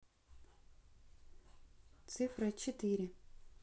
цифра четыре